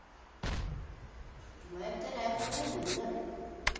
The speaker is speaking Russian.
ты моя вторая половина